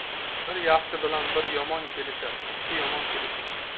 bir yaxshi bilan bir yomon kelishar ikki yomon kelishmas